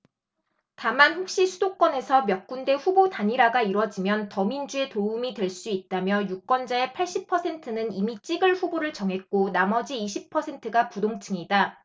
다만 혹시 수도권에서 몇 군데 후보 단일화가 이뤄지면 더민주에 도움이 될 수 있다며 유권자의 팔십 퍼센트는 이미 찍을 후보를 정했고 나머지 이십 퍼센트가 부동층이다